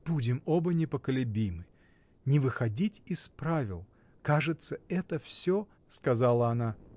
— Будем оба непоколебимы: не выходить из правил, кажется, это всё. — сказала она.